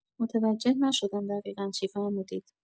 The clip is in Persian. متوجه نشدم دقیقا چی فرمودید